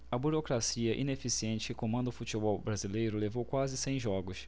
a burocracia ineficiente que comanda o futebol brasileiro levou quase cem jogos